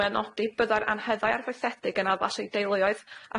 Mae o'n nodi byddai'r anheddau arfaithiedig yn addas i deuluoedd